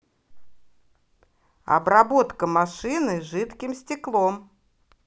обработка машины жидким стеклом